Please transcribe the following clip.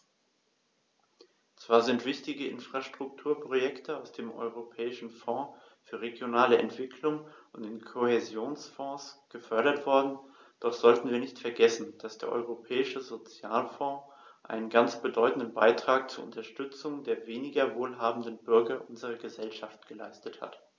Zwar sind wichtige Infrastrukturprojekte aus dem Europäischen Fonds für regionale Entwicklung und dem Kohäsionsfonds gefördert worden, doch sollten wir nicht vergessen, dass der Europäische Sozialfonds einen ganz bedeutenden Beitrag zur Unterstützung der weniger wohlhabenden Bürger unserer Gesellschaft geleistet hat.